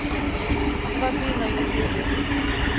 сваты на ютубе